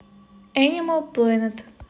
энимал плэнет